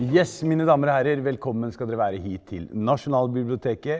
yes mine damer og herrer velkommen skal dere være hit til Nasjonalbiblioteket.